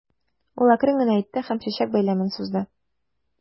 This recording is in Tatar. Ул әкрен генә әйтте һәм чәчәк бәйләмен сузды.